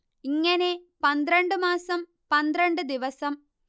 ഇങ്ങനെ പന്ത്രണ്ട് മാസം പന്ത്രണ്ട് ദിവസം